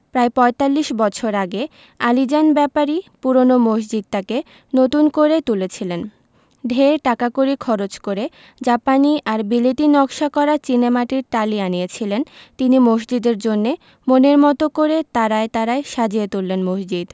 প্রায় পঁয়তাল্লিশ বছর আগে আলীজান ব্যাপারী পূরোনো মসজিদটাকে নতুন করে তুলেছিলেন ঢের টাকাকড়ি খরচ করে জাপানি আর বিলেতী নকশা করা চীনেমাটির টালি আনিয়েছিলেন তিনি মসজিদের জন্যে মনের মতো করে তারায় তারায় সাজিয়ে তুললেন মসজিদ